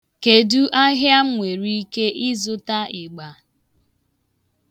Kedụ ahịa m nwere ike ịzụta ịgba?